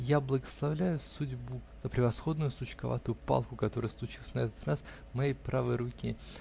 я благословляю судьбу за превосходную сучковатую палку, которая случилась на этот раз в моей правой руке.